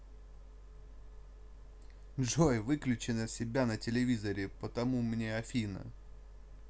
джой выключи себя на телевизоре потому мне афина